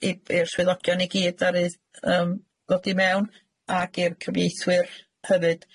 i- i'r swyddogion i gyd aru yym ddod i mewn, ag i'r cyfieithwyr hefyd.